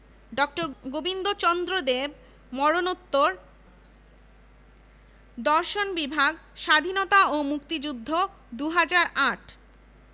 দেশের মানব সম্পদের বিকাশের লক্ষ্য নির্ধারিত হয় এ লক্ষ্যে কয়েকটি নতুন বিভাগ খোলা হয় ইতোমধ্যে বিশ্বব্যাপী ত্রিশটি বিশ্ববিদ্যালয়